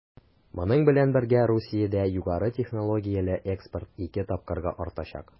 Моның белән бергә Русиядә югары технологияле экспорт 2 тапкырга артачак.